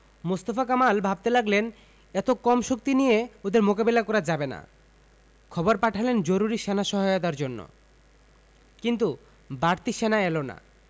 মোস্তফা কামাল ভাবতে লাগলেন এত কম শক্তি নিয়ে ওদের মোকাবিলা করা যাবে না খবর পাঠালেন জরুরি সেনা সহায়তার জন্য কিন্তু বাড়তি সেনা এলো না